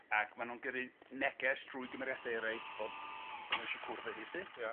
Ac ma' nw'n gyrru neges drwy gymeriade eraill bod bo' nw isie cwrdd â hi 'lly. Ia.